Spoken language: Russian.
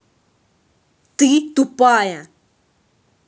ты тупая